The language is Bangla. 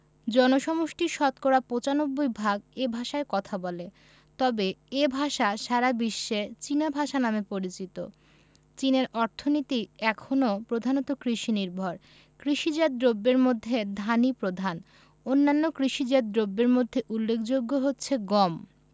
জনসমষ্টির শতকরা ৯৫ ভাগ এ ভাষায় কথা বলে তবে এ ভাষা সারা বিশ্বে চীনা ভাষা নামে পরিচিত চীনের অর্থনীতি এখনো প্রধানত কৃষিনির্ভর কৃষিজাত দ্রব্যের মধ্যে ধানই প্রধান অন্যান্য কৃষিজাত দ্রব্যের মধ্যে উল্লেখযোগ্য হচ্ছে গম